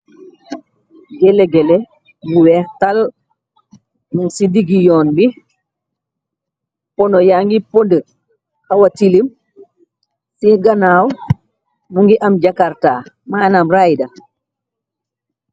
Géle géle bu weex tal mun ci diggi yoon bi pono ya ngi pond xawatilim ci ganaaw mu ngi am jakarta maanam raider.